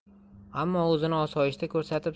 ammo o'zini osoyishta ko'rsatib